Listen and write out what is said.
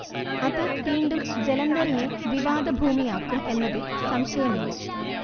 അത് വീണ്ടും ജലന്ധറിനെ വിവാദഭൂമിയാക്കും എന്നതിൽ സംശയമില്ല